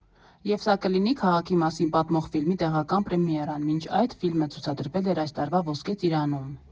Եվ սա կլինի քաղաքի մասին պատմող ֆիլմի տեղական պրեմիերան (մինչ այդ ֆիլմը ցուցադրվել էր այս տարվա «Ոսկե ծիրանում»)։